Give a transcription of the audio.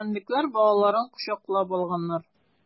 Җәнлекләр балаларын кочаклап алганнар.